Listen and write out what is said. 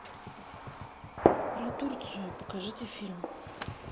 про турцию покажите фильм